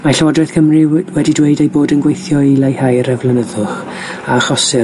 Mae Llywodraeth Cymru we- wedi dweud eu bod yn gweithio i leihau'r aflonyddwch a achosir